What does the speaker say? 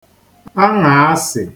Aṅaasị